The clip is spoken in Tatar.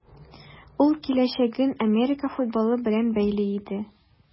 Ул киләчәген Америка футболы белән бәйли иде.